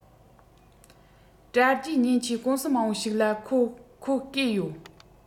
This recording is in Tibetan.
དྲ རྒྱའི མཉེན ཆས ཀུང སི མང པོ ཞིག ལ ཁོ བརྐོས ཡོད